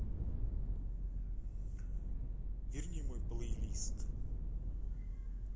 верни мой плейлист